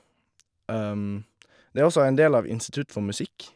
Det er også en del av Institutt for musikk.